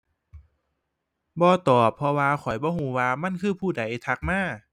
บ่ตอบ เพราะว่าข้อยบ่รู้ว่ามันคือผู้ใดทักมา